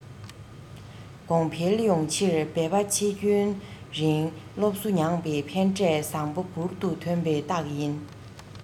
གོང འཕེལ ཡོང ཕྱིར འབད པ ཆེན རྒྱུན རིང སློབ གསོ མྱངས པའི ཕན འབྲས བཟང པོ འབུར དུ ཐོན པའི རྟགས ཡིན